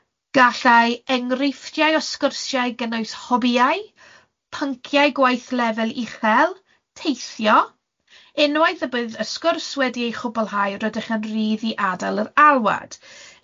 Gallai enghreifftiau o sgyrsiau gynnwys hobïau, pynciau gwaith lefel uchel, teithio. Unwaith y bydd y sgwrs wedi ei chwblhau rydych yn rhydd i adael yr alwad.